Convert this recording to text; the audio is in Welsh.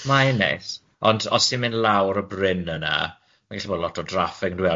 Mae e'n neis, ond os ti'n mynd lawr y bryn yna, mae'n gallu bod lot o draffig yndyw e,